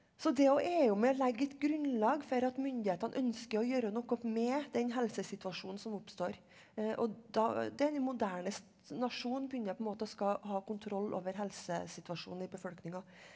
så det òg er jo med å legge et grunnlag for at myndighetene ønsker å gjøre noe med den helsesituasjonen som oppstår og da det er den moderne nasjon begynner på en måte å skal ha kontroll over helsesituasjonen i befolkninga.